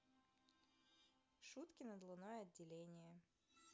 шутки над луной отделение